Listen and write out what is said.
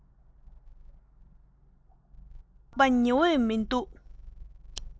ཞོགས པ ཉི འོད མི འདུག